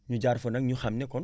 ñu jaar fa nag ñu xam ne kon